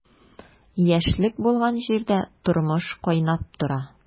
Яшьлек булган җирдә тормыш кайнап тора.